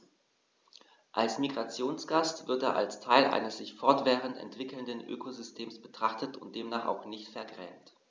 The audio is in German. Als Migrationsgast wird er als Teil eines sich fortwährend entwickelnden Ökosystems betrachtet und demnach auch nicht vergrämt.